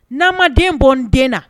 N'an ma den bɔ n den na